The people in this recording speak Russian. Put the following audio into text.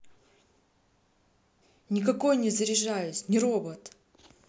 никакой не заряжаюсь не робот